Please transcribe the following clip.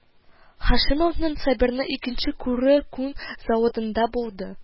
Һашимовның Сабирны икенче күрүе күн заводында булды